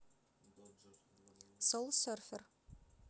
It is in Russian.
соул серфер